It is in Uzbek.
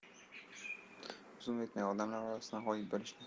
zum o'tmay odamlar orasidan g'oyib bo'lishdi